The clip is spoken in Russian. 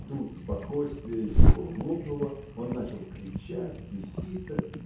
Тут спокойствие его лопнуло: он начал кричать, беситься.